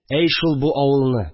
Әй шул бу авылны